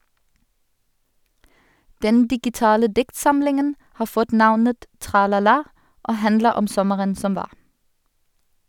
Den digitale diktsamlingen har fått navnet "Tralala" og handler om sommeren som var.